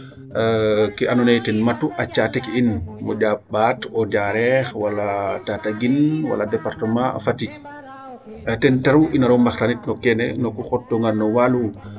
kee andoona yee ten matu a caate ke in moƴa ɓaat o Diarekh wala Tataguine wala departement Fatick. Ten taxu i nar o mbaxtaanit no keene no ku xotoona no walu